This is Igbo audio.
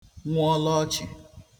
nwụọ l'ọchị̀̄